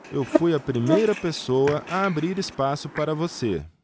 eu fui a primeira pessoa a abrir espaço para você